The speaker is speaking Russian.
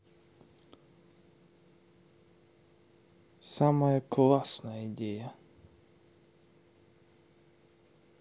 самая классная идея